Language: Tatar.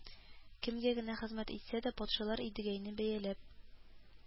Кемгә генә хезмәт итсә дә, патшалар Идегәйне бәяләп